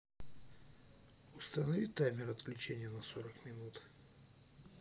установи таймер отключения на сорок минут